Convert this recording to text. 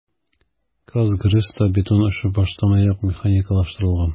"казгрэс"та бетон эше баштанаяк механикалаштырылган.